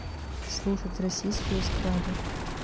слушать российскую эстраду